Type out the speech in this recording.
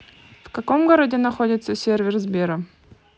в каком городе находится сервер сбера